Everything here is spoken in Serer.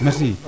merci